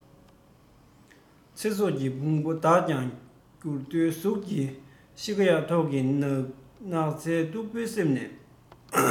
ཚེ སྲོག གི ཕུང པོ དག ཀྱང འགྱུར རྡོའི གཟུགས ཀྱིས ཤི ཡ ཐོག གི ནགས ཚལ སྟུག པོའི གསེབ ནས